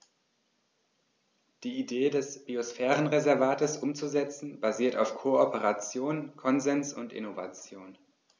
Die Idee des Biosphärenreservates umzusetzen, basiert auf Kooperation, Konsens und Innovation.